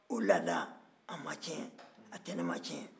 o lada a ma tiɲɛ a tana ma tiɲɛ